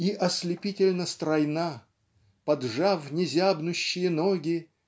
И ослепительно стройна, Поджав незябнушие ноги.